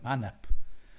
Man up.